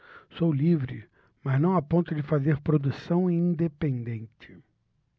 sou livre mas não a ponto de fazer produção independente